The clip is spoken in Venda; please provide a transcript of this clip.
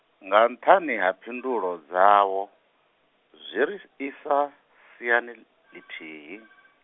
nga nṱhani ha phindulo dzavho, zwi ri si isa siani ḽithihi.